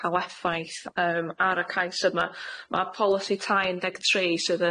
ca'l effaith yym ar y cais yma ma' polisi tai un deg tri sydd